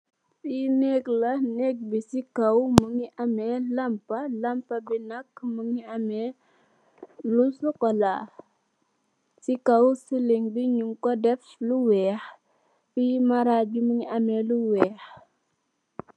Li neke la neke bi ci kaw mungi ame lampa lapa binak mungi ame lu socola ci kaw sileng bi njung ko def lu wex ci marage bi mungi ame lu wex